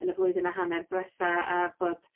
yn y flwyddyn a hanner dwetha a bod